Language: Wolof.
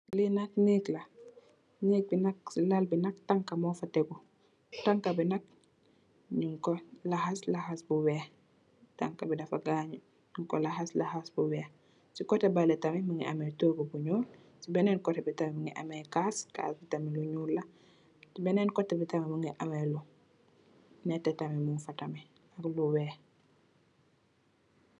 le nak nek la nek bi nak Lal bi nak tanka mofa tegu tanka bi nak nyung ko lahas la has bu weex tanka bi dafa ganyu nyung ko lahas lahas bu weex ci koteh beleh tamit mungi am togu bu nyool ci been koteh beleh tamit mungi ameh Kass Kaas bi tamit nyool la benen koteh tamit neteh tamit mung fa tamit bu weex